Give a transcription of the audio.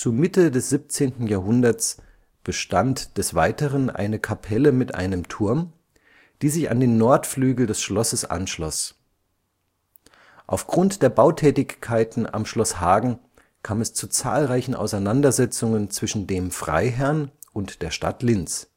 Mitte des 17. Jahrhunderts bestand des Weiteren eine Kapelle mit einem Turm, die sich an den Nordflügel des Schlosses anschloss. Aufgrund der Bautätigkeiten am Schloss Hagen kam es zu zahlreichen Auseinandersetzungen zwischen dem Freiherrn und der Stadt Linz